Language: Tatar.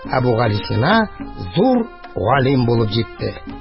Әбүгалисина зур галим булып җитте.